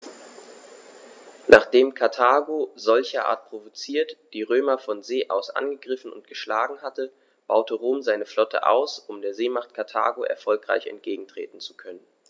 Nachdem Karthago, solcherart provoziert, die Römer von See aus angegriffen und geschlagen hatte, baute Rom seine Flotte aus, um der Seemacht Karthago erfolgreich entgegentreten zu können.